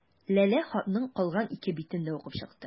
Ләлә хатның калган ике битен дә укып чыкты.